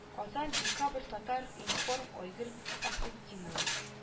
Казан декабрь татар-информ айгөл фәхретдинова